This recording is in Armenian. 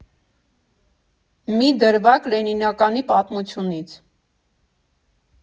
Մի դրվագ Լենինականի պատմությունից։